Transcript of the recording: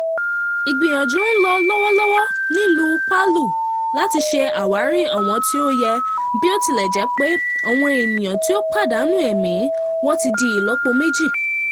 Ìgbiyànjú ń lọ lọ́wọ́lọ́wọ́ nílùú Palu láti ṣe àwárí àwọn tí ó yé bí ó tilẹ̀ jẹ́ pé àwọn ènìyàn tí ó pàdánù ẹ̀mí wọn ti di ìlọ́po méjì